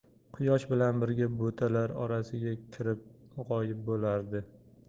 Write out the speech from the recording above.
quyosh bilan birga butalar orasiga kirib g'oyib bo'lardi